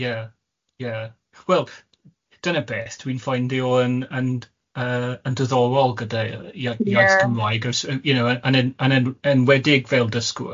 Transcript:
Ie ie wel, dyna beth dwi'n ffaindio yn yn yy yn diddorol gyda ia- ia- iaith Gymraeg... Ie. ...os yy you know yn yn yn en- enwedig fel dysgwr.